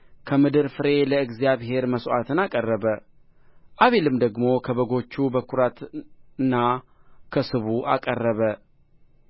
ከምድር ፍሬ ለእግዚአብሔር መሥዋዕትን አቀረበ አቤልም ደግሞ ከበጎቹ በኵራትና ከስቡ አቀረበ